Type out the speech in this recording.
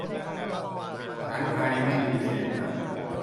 ฉันไอไม่มีเสมหะ